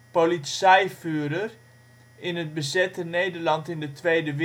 Polizeiführer in het bezette Nederland in de Tweede